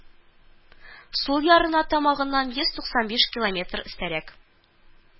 Сул ярына тамагыннан йөз туксан биш километр өстәрәк